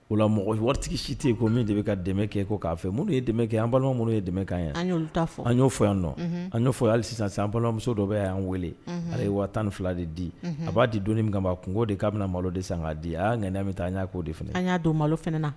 O mɔgɔ waritigi si tɛ yen ko min de bɛ ka dɛmɛ kɛ ko k'a fɛ minnu ye dɛmɛ kɛ an balima minnu yekan ye an y'o fɔ yan nɔ an'o fɔya sisan san balimamuso dɔ bɛ y'an wele a ye wa tan ni fila de di a b'a di don min kamaban kungo' o de k'a bɛna malo de san k'a di' n min taa n'a'o de fana an y'a don malo fana na